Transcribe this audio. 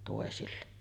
toisille